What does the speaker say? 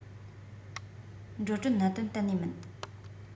འགྲོ གྲོན གནད དོན གཏན ནས མིན